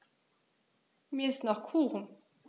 Mir ist nach Kuchen.